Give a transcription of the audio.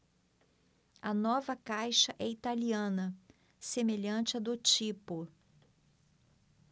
a nova caixa é italiana semelhante à do tipo